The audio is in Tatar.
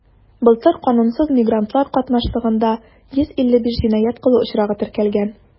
Былтыр канунсыз мигрантлар катнашлыгында 155 җинаять кылу очрагы теркәлгән.